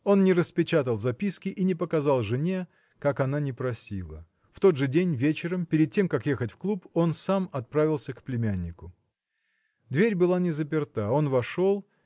Он не распечатал записки и не показал жене, как она ни просила. В тот же день вечером перед тем как ехать в клуб он сам отправился к племяннику. Дверь была не заперта. Он вошел.